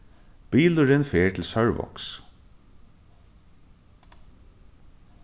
bilurin fer til sørvágs